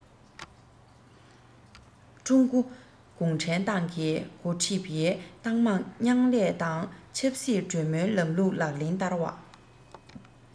ཀྲུང གོ གུང ཁྲན ཏང གིས འགོ ཁྲིད པའི ཏང མང མཉམ ལས དང ཆབ སྲིད གྲོས མོལ ལམ ལུགས ལག ལེན བསྟར བ